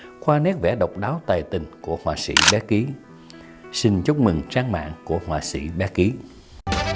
qua nét vẽ độc đáo tài tình của họa sĩ bé ký xin chúc mừng trang mạng của họa sĩ bé kí